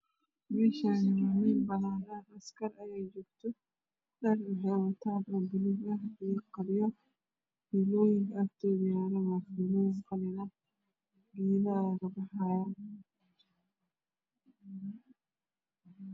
Meshani waa meel banaan ah asgar ayaa joogto dhar wexey watan bulug mar iyo fiilo yinka agtooda yala waa filoyin qalin ah